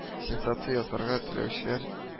Сенсация ясарга теләүчеләр